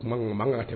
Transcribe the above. Kumaŋu maŋala tɛ